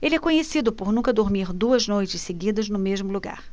ele é conhecido por nunca dormir duas noites seguidas no mesmo lugar